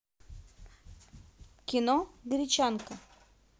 кино гречанка